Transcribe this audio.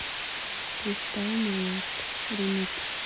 crystal моет ремикс